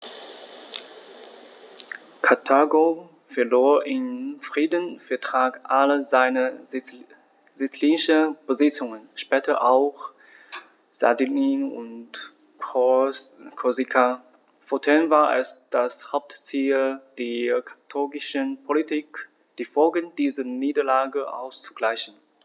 Karthago verlor im Friedensvertrag alle seine sizilischen Besitzungen (später auch Sardinien und Korsika); fortan war es das Hauptziel der karthagischen Politik, die Folgen dieser Niederlage auszugleichen.